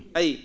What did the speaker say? a yiyii